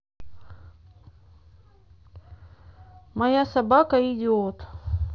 моя собака идиот